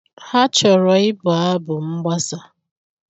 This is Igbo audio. Ha chọrọ ibụ abụmgbasa